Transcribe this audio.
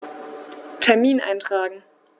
Termin eintragen